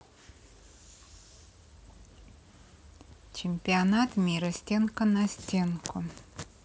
чемпионат мира стенка на стенку